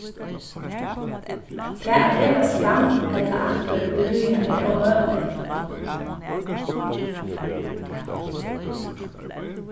tað at ferðast fram ella aftur í tíðina er ómøguligt